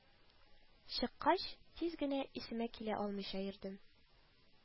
Чыккач, тиз генә исемә килә алмыйча йөрдем